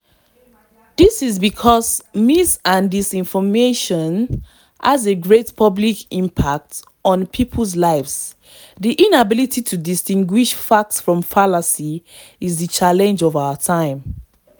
This is because mis- and disinformation has a great public impact on people's lives; the inability to distinguish facts from fallacy is the challenge of our times.